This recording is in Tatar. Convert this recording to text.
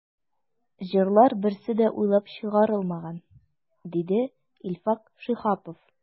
“җырлар берсе дә уйлап чыгарылмаган”, диде илфак шиһапов.